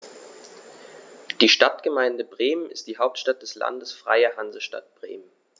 Die Stadtgemeinde Bremen ist die Hauptstadt des Landes Freie Hansestadt Bremen.